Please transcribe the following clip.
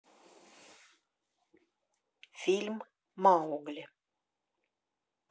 фильм маугли